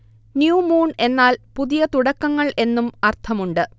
new moon എന്നാൽ പുതിയ തുടക്കങ്ങൾ എന്നും അര്ഥം ഉണ്ട്